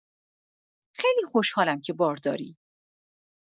خیلی خوشحالم که بارداری!